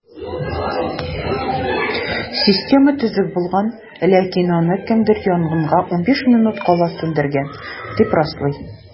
Система төзек булган, ләкин аны кемдер янгынга 15 минут кала сүндергән, дип раслый.